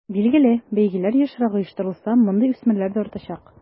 Билгеле, бәйгеләр ешрак оештырылса, мондый үсмерләр дә артачак.